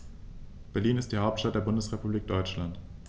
Berlin ist die Hauptstadt der Bundesrepublik Deutschland.